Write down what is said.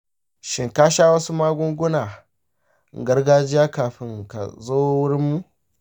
shin ka sha wasu magungunan gargajiya kafin ka zo wurinmu?